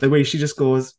The way she just goes...